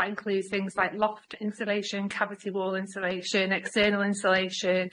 That includes things like loft installation, cavity wall installation, external installation,